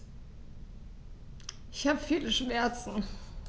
Ich habe viele Schmerzen.